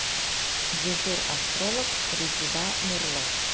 Дежур астролог – Резеда Нурлы.